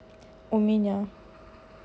у меня